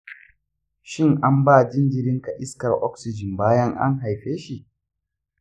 shin an ba jinjirinka iskar oxygen bayan an haife shi?